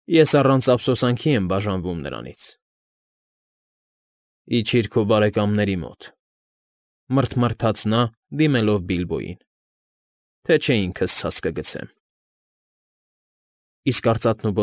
Ես առանց ափսոսանքի եմ բաժանվում նրանից։ ֊ Իջիր քո բարեկամենրի մոտ,֊ մռթմռթաց նա՝ դիմելով Բիլբոյին,֊ թե չէ ինքս ցած կգցեմ։ ֊ Իսկ արծաթն ու։